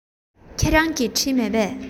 ཁྱེད རང གིས བྲིས མེད པས